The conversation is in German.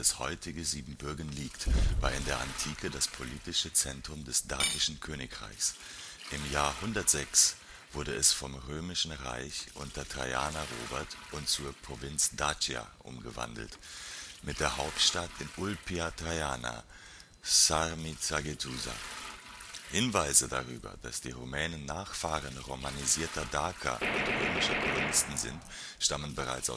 heutige Siebenbürgen liegt, war in der Antike das politische Zentrum des Dakischen Königreichs. Im Jahr 106 wurde es vom römischen Reich unter Trajan erobert und zur Provinz Dacia umgewandelt, mit der Hauptstadt in Ulpia Traiana Sarmizagetusa. Hinweise darüber, dass die Rumänen Nachfahren romanisierter Daker und römischer Kolonisten sind, stammen bereits